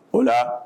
O la